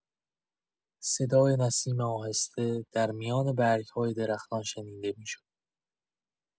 صدای نسیم آهسته در میان برگ‌های درختان شنیده می‌شد.